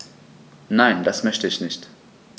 Nein, das möchte ich nicht.